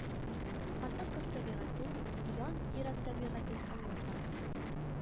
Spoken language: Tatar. Хатын-кыз табигатен, «ян» ир-ат табигатен аңлата